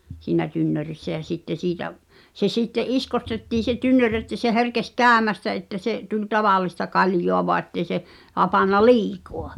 siinä tynnyrissä ja sitten siitä se sitten iskotettiin se tynnyri että se herkesi käymästä että se tuli tavallista kaljaa vain että ei se hapantunut liikaa